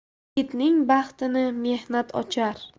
yigitning baxtini mehnat ochar